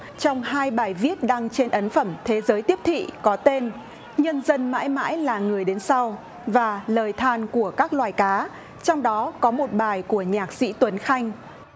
trong hai bài viết đăng trên ấn phẩm thế giới tiếp thị có tên nhân dân mãi mãi là người đến sau và lời than của các loài cá trong đó có một bài của nhạc sĩ tuấn khanh